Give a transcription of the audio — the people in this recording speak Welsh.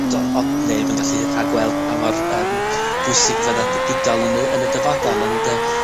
do- odd neb yn gallu rhagweld pa mor, yym, pwysig fydda ddigidol yn y yn y dyfodol, ond yy,